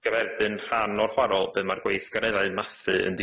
Gyferbyn rhan o'r chwarel ble ma'r gweithgareddau mathu yn